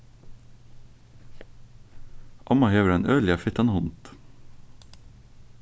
omma hevur ein øgiliga fittan hund